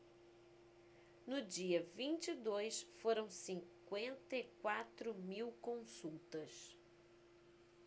no dia vinte e dois foram cinquenta e quatro mil consultas